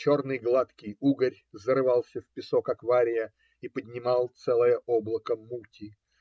черный гладкий угорь зарывался в песок аквария и поднимал целое облако мути